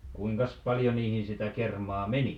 kuinkas paljon niihin sitä kermaa meni